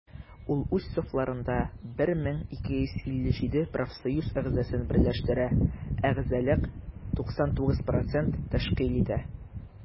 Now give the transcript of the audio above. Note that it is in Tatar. Ул үз сафларында 1257 профсоюз әгъзасын берләштерә, әгъзалык 99 % тәшкил итә.